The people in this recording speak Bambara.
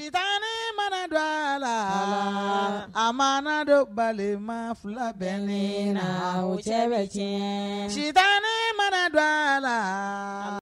Sita mana dɔ a la a ma dɔ bali ma fila bɛ ne la o cɛ bɛ tiɲɛ sita mana don a la